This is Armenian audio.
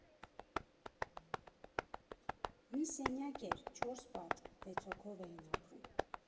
Մի սենյակ էր՝ չորս պատ, վեց հոգով էին ապրում։